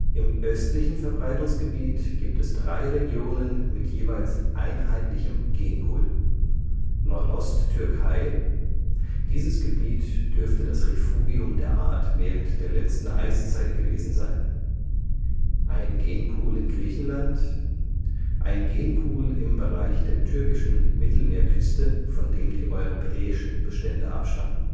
Im östlichen Verbreitungsgebiet gibt es drei Regionen mit jeweils einheitlichem Genpool: Nordost-Türkei, dieses Gebiet dürfte das Refugium der Art während der letzten Eiszeit gewesen sein; ein Genpool in Griechenland; ein Genpool im Bereich der türkischen Mittelmeerküste, von dem die europäischen Bestände abstammen